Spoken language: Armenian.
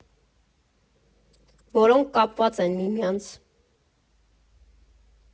Որոնք կապված են միմյանց։